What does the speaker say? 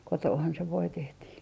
kotonahan se voi tehtiin